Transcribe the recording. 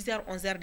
10 heures 11 heures